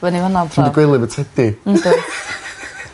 Fyny fyna t'mo'? Dwi mynd i gwely efo tedi.